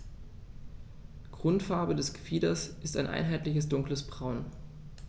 Grundfarbe des Gefieders ist ein einheitliches dunkles Braun.